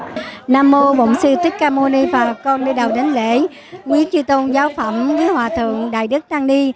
nam mô bổn sư thích ca mô ni phật con đi đầu đến lễ quý chi tôn giáo phẩm với hòa thượng đại đức tăng ni